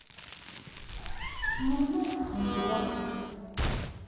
шмурнов андронов